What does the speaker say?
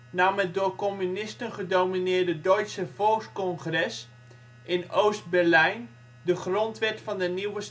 nam het door communisten gedomineerde Deutscher Volkskongress in Oost-Berlijn de grondwet van de nieuwe